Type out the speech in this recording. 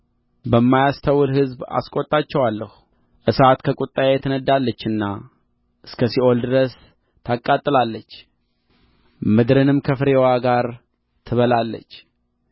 በማያስተውል ሕዝብ አስቈጣቸዋለሁ እሳት ከቍጣዬ ትነድዳለችና እስከ ሲኦል ድረስ ታቃጥላለች ምድርንም ከፍሬዋ ጋር ትበላለች